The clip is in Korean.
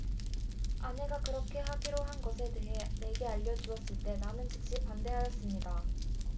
아내가 그렇게 하기로 한 것에 대해 내게 알려 주었을 때 나는 즉시 반대하였습니다